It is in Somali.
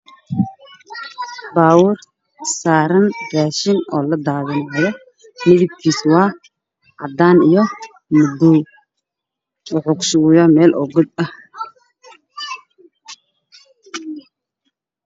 Waa baabur saaran raashin la daadinaayo